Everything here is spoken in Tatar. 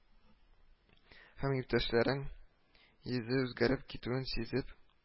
Һәм иптәшләрең йөзе үзгәреп китүен сизеп